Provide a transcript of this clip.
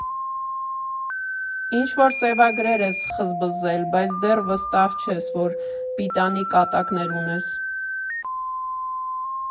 Ինչ֊որ սևագրեր ես խզբզել, բայց դեռ վստահ չես, որ պիտանի կատակներ ունես։